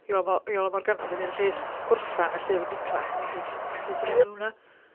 Iolo Mo- Iolo Morgannwg wedyn yn lle s- gorffen y llyfr Niclas wnes i jyst syth i mewn i hwnna.